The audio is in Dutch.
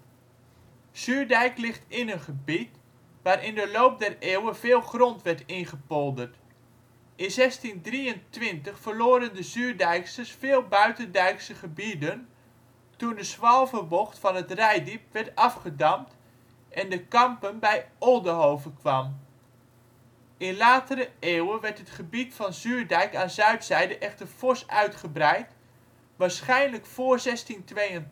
Zuurdijk ligt in een gebied waar in de loop der eeuwen veel grond werd ingepolderd. In 1623 verloren de Zuurdijksters veel buitendijkse gebieden toen de Swalvebocht van het Reitdiep werd afgedamd en De Kampen bij Oldehove kwam. In latere eeuwen werd het gebied van Zuurdijk aan zuidzijde echter fors uitgebreid. Waarschijnlijk vóór 1682